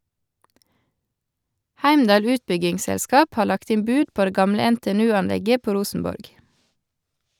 Heimdal utbyggingsselskap har lagt inn bud på det gamle NTNU-anlegget på Rosenborg.